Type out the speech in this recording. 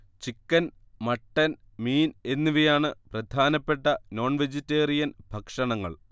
chicken, mutton, മീൻ എന്നിവയാണ് പ്രധാനപ്പെട്ട നോൺവെജിറ്റേറിയൻ ഭക്ഷണങ്ങൾ